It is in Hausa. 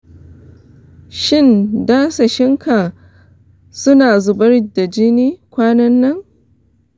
shin dasashin ka suna zubar da jini kwanan nan?